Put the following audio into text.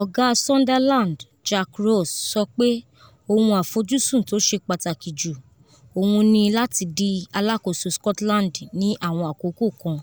Ọ̀gá Sunderland, Jack Ross sọ pé “ohun àfojúsùn tó ṣe pàtàkì jú” òun ní láti di alákòóso Scotland ni àwọn àkókò kan.